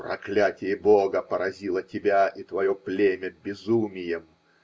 -- Проклятие Бога поразило тебя и твое племя безумием!